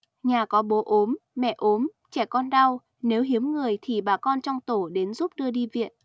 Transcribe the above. nhà có bố ốm mẹ ốm trẻ con đau nếu hiếm người thì bà con trong tổ đến giúp đưa đi viện